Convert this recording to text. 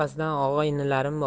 orqasida og'a inilarim bor